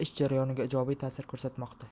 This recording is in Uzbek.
ish jarayoniga ijobiy ta'sir ko'rsatmoqda